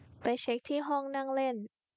ไปเช็คที่ห้องนั่งเล่น